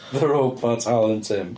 The robot Alan Tim.